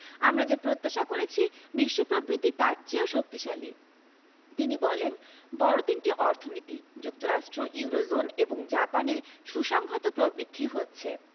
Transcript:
আমরা যা প্রত্যাশা করেছি বিশ্ব প্রবৃদ্ধি তার চেয়েও শক্তিশালী তিনি বলেন বড় তিনটি অর্থনীতি যুক্তরাষ্ট্র ইউরোজোন এবং জাপানের সুসংহত প্রবৃদ্ধি হচ্ছে